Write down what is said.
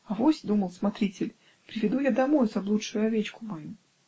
"Авось, -- думал смотритель, -- приведу я домой заблудшую овечку мою".